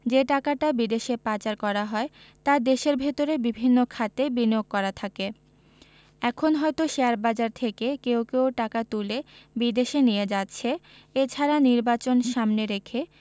যে টাকাটা বিদেশে পাচার করা হয় তা দেশের ভেতরে বিভিন্ন খাতে বিনিয়োগ করা থাকে এখন হয়তো শেয়ারবাজার থেকে কেউ কেউ টাকা তুলে বিদেশে নিয়ে যাচ্ছে এ ছাড়া নির্বাচন সামনে রেখে